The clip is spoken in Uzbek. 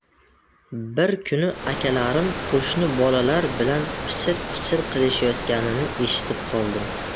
bir kuni akalarim qo'shni bolalar bilan pichir pichir qilishayotganini eshitib qoldim